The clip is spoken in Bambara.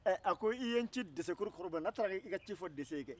a ko i ye n ci desekɔrɔ kulubali ma ne taara i ka ci fɔ dese ye kɛ